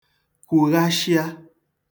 kwughashịa